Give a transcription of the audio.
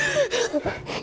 con